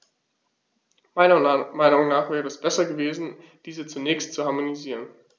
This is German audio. Meiner Meinung nach wäre es besser gewesen, diese zunächst zu harmonisieren.